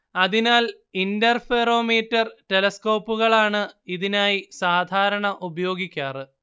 അതിനാൽ ഇന്റർഫെറൊമീറ്റർ ടെലസ്കോപ്പുകളാണ് ഇതിനായി സാധാരണ ഉപയോഗിക്കാറ്